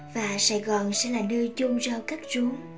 và sài gòn sẽ là nơi chôn rau cắt rốn